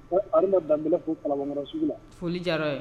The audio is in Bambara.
Ko halima dan ko kala sugu la foli jara